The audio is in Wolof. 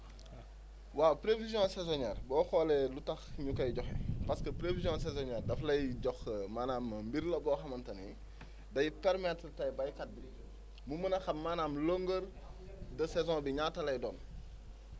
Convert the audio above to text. ah waaw prévision saisonnière boo xoolee lu tax ñu koy joxe parce que prévision saisonnière daf lay jox maanaam mbir la boo xamante ni day permettre tey béykat bi mu mun a xam maanaam longueur de saison bi ñaata lay doon